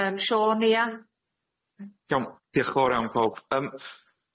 Yym Siôn ia? Iawn dioch yn fowr iawn powb.